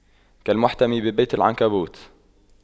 كالمحتمي ببيت العنكبوت